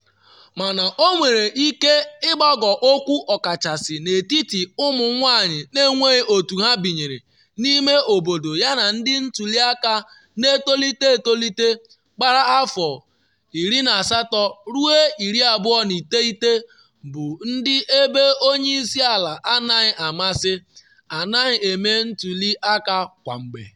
Mana ọ nwere ike ịgbagokwu ọkachasị n’etiti ụmụ-nwanyị n’enweghị otu ha binyere n’ime obodo yana ndị ntuli aka na-etolite etolite, gbara afọ 18- ruo 29-, bụ ndị ebe onye isi ala anaghị amasị, anaghị eme ntuli aka kwa mgbe.”